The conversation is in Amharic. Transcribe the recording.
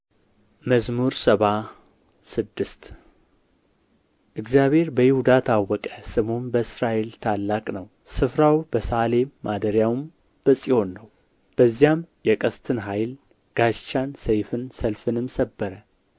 መዝሙር ሰባ ስድስት እግዚአብሔር በይሁዳ ታወቀ ስሙም በእስራኤል ታላቅ ነው ስፍራው በሳሌም ማደሪያውም በጽዮን ነው በዚያም የቀስትን ኃይል ጋሻን ሰይፍን ሰልፍንም ሰበረ